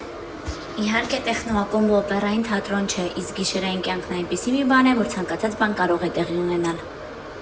Իհարկե, տեխնո֊ակումբը օպերային թատրոն չէ, իսկ գիշերային կյանքն այնպիսի մի բան է, որ ցանկացած բան կարող է տեղի ունենալ։